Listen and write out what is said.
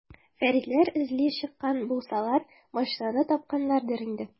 Фәритләр эзли чыккан булсалар, машинаны тапканнардыр инде.